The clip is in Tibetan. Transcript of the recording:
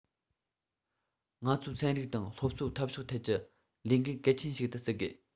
ང ཚོའི ཚན རིག དང སློབ གསོའི འཐབ ཕྱོགས ཐད ཀྱི ལས འགན གལ ཆེན ཞིག ཏུ བརྩི དགོས